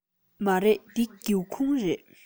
མ རེད འདི སྒེའུ ཁུང རེད